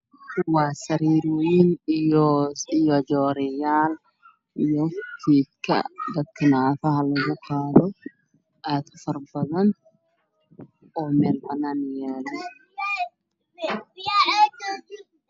Waa sariir lagu qaado dadka xanuunsan iyo baaskiilo lagu qaado dadka curyaanka way is-dil sarsaaran yihiin